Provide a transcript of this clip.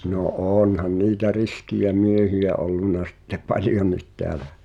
no onhan niitä riskejä miehiä ollut sitten paljonkin täällä